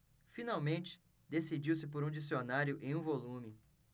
finalmente decidiu-se por um dicionário em um volume